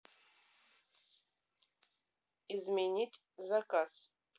изменить заказ